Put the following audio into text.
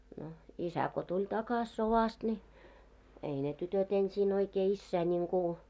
no isä kun tuli takaisin sodasta niin ei ne tytöt ensin oikein isää niin kuin